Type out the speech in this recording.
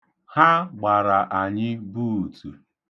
Ha gbara anyị buutu.